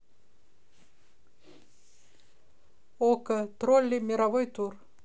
окко тролли мировой тур